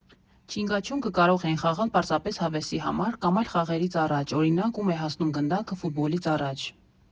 Չինգաչունգը կարող էին խաղալ պարզապես հավեսի համար կամ այլ խաղերից առաջ, օրինակ՝ ում է հասնում գնդակը ֆուտբոլից առաջ։